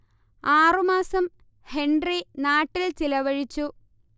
ആറുമാസം ഹെൻറി നാട്ടിൽ ചിലവഴിച്ചു